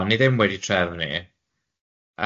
O, o'n i ddim wedi trefnu.